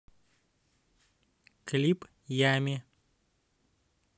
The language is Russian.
клип ями